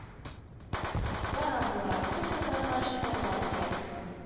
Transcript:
Бара болар. Күпме баргач, Алла белә,